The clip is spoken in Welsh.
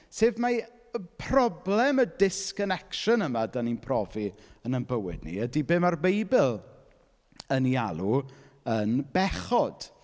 Sef mai y problem, y disconnection yma dan ni'n profi yn ein bywyd ni ydy be mae'r Beibl yn ei alw yn bechod.